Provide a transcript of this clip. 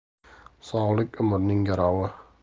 sog'lik umrning garovi